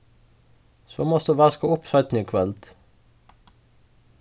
so mást tú vaska upp seinni í kvøld